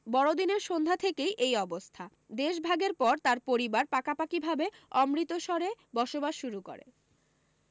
বড়দিনের সন্ধ্যা থেকেই এই অবস্থা দেশভাগের পর তার পরিবার পাকাপাকি ভাবে অমৃতসরে বসবাস শুরু করে